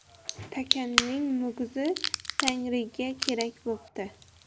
takaning mugizi tangriga kerak bo'pti